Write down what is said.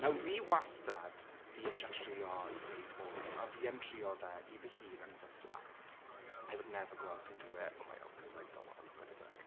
Nawr fi wastad 'di isio trio wneud ballroom a fi yn trio fe i fy hun yn fy fflat I would never go out and do it on my own cause I don't want to look like a dick